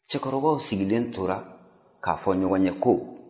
cɛkɔrɔba sigilen tora k'a fɔ ɲɔgɔn ye ko